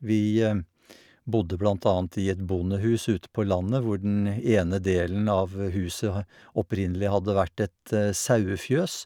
Vi bodde blant annet i et bondehus ute på landet hvor den ene delen av huset ha opprinnelig hadde vært et sauefjøs.